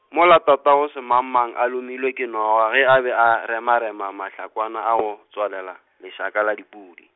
mola tatagosemangmang a lomilwe ke noga ge a be a remarema mahlakwana a go, tswalela lešaka la dipudi.